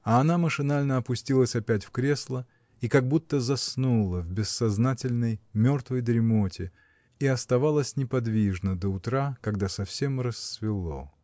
А она машинально опустилась опять в кресло и как будто заснула в бессознательной, мертвой дремоте и оставалась неподвижно до утра, когда совсем рассвело.